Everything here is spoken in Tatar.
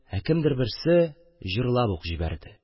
Ә кемдер берсе җырлап ук җибәрде: